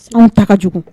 Anw ta jugu